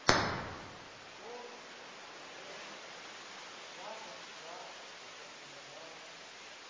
рекорд оркестр лада седан баклажан